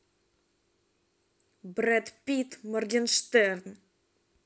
брэд питт моргенштерн